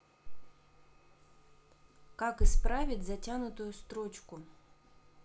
как исправить затянутую строчку